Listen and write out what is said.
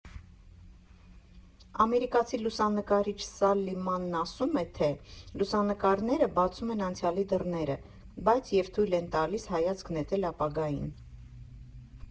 Ամերիկացի լուսանկարիչ Սալլի Մանն ասում է, թե լուսանկարները բացում են անցյալի դռները, բայց և թույլ են տալիս հայացք նետել ապագային։